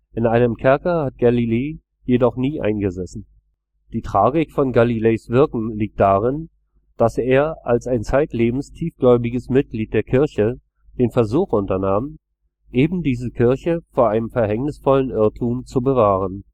In einem Kerker hat Galilei jedoch nie eingesessen. Die Tragik von Galileis Wirken liegt darin, dass er als ein zeitlebens tiefgläubiges Mitglied der Kirche den Versuch unternahm, ebendiese Kirche vor einem verhängnisvollen Irrtum zu bewahren